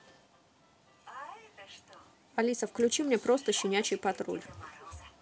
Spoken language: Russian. алиса включи мне просто щенячий патруль